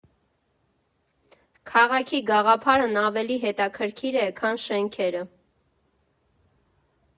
Քաղաքի գաղափարն ավելի հետաքրքիր է, քան շենքերը։